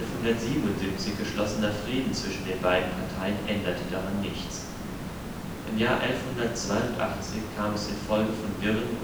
1177 geschlossener Frieden zwischen den beiden Parteien änderte daran nichts. Im Jahr 1182 kam es in Folge von Wirren